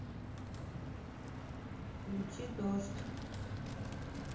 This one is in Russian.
включи дождь